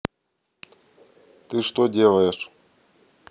ты что делаешь